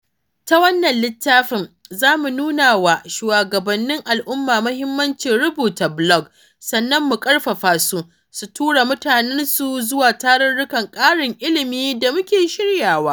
Ta wannan littafin, za mu nunawa shugabannin al’umma muhimmancin rubuta blog, sannan mu ƙarfafa su, su tura mutanan su zuwa tarurrukan ƙarin ilimi da muke shiryawa.